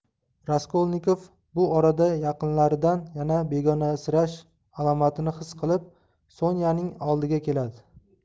raskolnikov bu orada yaqinlaridan yana begonasirash alomatini his qilib sonyaning oldiga keladi